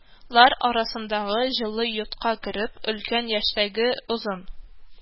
Лар арасындагы җылы йортка кереп, өлкән яшьтәге озын